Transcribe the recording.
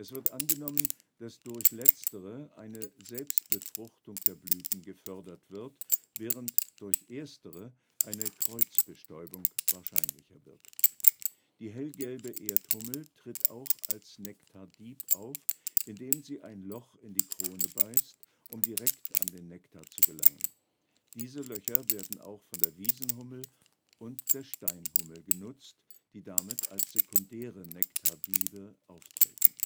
wird angenommen, dass durch letztere eine Selbstbefruchtung der Blüten gefördert wird, während durch erstere eine Kreuzbestäubung wahrscheinlicher wird. Die Hellgelbe Erdhummel tritt auch als Nektardieb auf, indem sie ein Loch in die Krone beißt, um direkt an den Nektar zu gelangen. Diese Löcher werden auch von der Wiesenhummel und der Steinhummel genutzt, die damit als sekundäre Nektardiebe auftreten